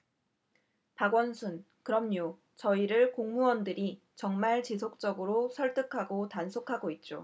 박원순 그럼요 저희들 공무원들이 정말 지속적으로 설득하고 단속하고 있죠